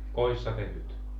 kodissa tehdyt